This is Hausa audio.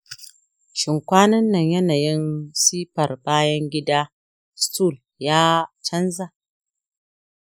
shin kwanannan yanayin siffar bayan gida stool ya chanza?